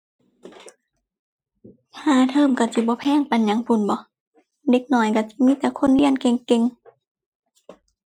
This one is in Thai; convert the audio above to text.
ค่าเทอมก็สิบ่แพงปานหยังพู้นเบาะ เด็กน้อยกะสิมีแต่คนเรียนเก่งเก่ง